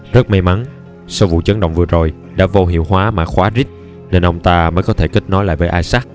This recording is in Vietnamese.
rất may mắn sau vụ chấn động vừa rồi đã vô hiệu hóa mã khóa rig nên ông ta mới có thể kết nối lại với isaac